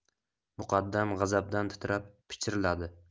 muqaddam g'azabdan titrab pichiriadi